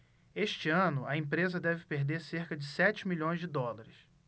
este ano a empresa deve perder cerca de sete milhões de dólares